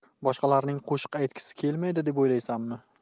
boshqalarning qo'shiq eshitgisi kelmaydi deb o'ylaysanmi